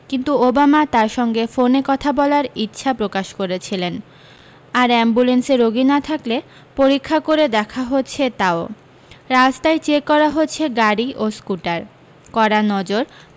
কিন্তু ওবামা তাঁর সঙ্গে ফোনে কথা বলার ইচ্ছা প্রকাশ করেছিলেন আর অ্যাম্বুলেন্সে রোগী না থাকলে পরীক্ষা করে দেখা হচ্ছে তাও রাস্তায় চেক করা হচ্ছে গাড়ী ও স্কুটার কড়া নজর